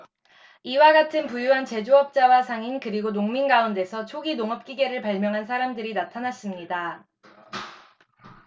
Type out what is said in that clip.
이와 같은 부유한 제조업자와 상인 그리고 농민 가운데서 초기 농업 기계를 발명한 사람들이 나타났습니다